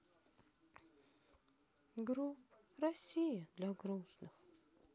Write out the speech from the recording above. group россия для грустных